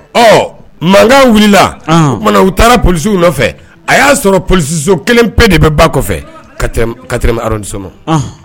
Ɔ mankan wulilaumana u taara pw nɔfɛ a y'a sɔrɔ pso kelen pe de bɛ ba kɔfɛ kasɔnma